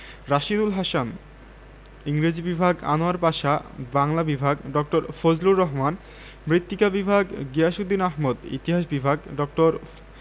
রাশীদুল হাসান ইংরেজি বিভাগ আনোয়ার পাশা বাংলা বিভাগ ড. ফজলুর রহমান মৃত্তিকা বিভাগ গিয়াসউদ্দিন আহমদ ইতিহাস বিভাগ ড.